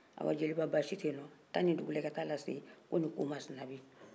ɔ jeliba baasi tɛ taa nin dugu la i ka taa a lase ko nin ko masina bɛ yen